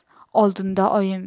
oldinda oyim